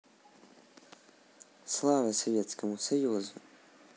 слава советскому союзу